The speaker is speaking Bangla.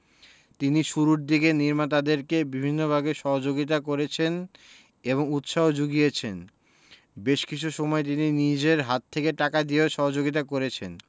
তিনি শুরুর দিকে নির্মাতাদেরকে বিভিন্নভাবে সহযোগিতা করেছেন এবং উৎসাহ যুগিয়েছেন বেশ কিছু সময়ে তিনি নিজের হাত থেকে টাকা দিয়েও সহযোগিতা করেছেন